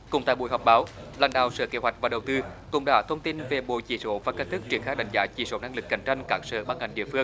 cũng tại buổi họp báo lãnh đạo sở kế hoạch và đầu tư cũng đã thông tin về bộ chỉ số và cách thức triển khai đánh giá chỉ số năng lực cạnh tranh các sở ban ngành địa phương